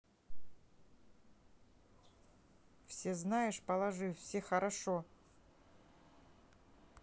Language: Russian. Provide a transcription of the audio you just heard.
все знаешь положи все хорошо